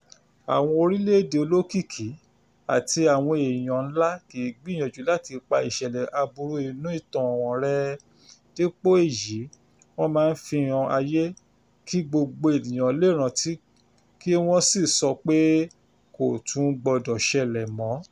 Àwọn orílẹ̀-èdè olókìkí àti àwọn èèyàn ńlá kì í gbìyànjú láti pa ìṣẹ̀lẹ̀ aburú inú ìtàn-an wọn rẹ́, dípò èyí wọ́n máa ń fi han ayé kí gbogbo ènìyàn lè rántí kí wọ́n sì sọ pé "KÒ TÚN GBỌDỌ̀ ṢẸLẸ̀ MỌ́ ".